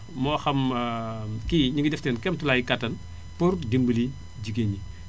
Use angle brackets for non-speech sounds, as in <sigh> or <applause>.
moo xam <hesitation> kii yi ñu ngi def seen kéem tolluwaay kattan pour dimbali jigéen ñi